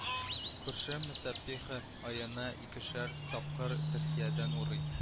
Күрше мөсәппиха аена икешәр тапкыр төркиядән урый